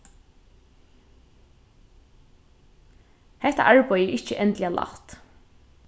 hetta arbeiðið er ikki endiliga lætt